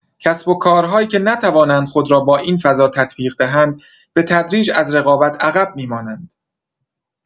کسب‌وکارهایی که نتوانند خود را با این فضا تطبیق دهند، به‌تدریج از رقابت عقب می‌مانند.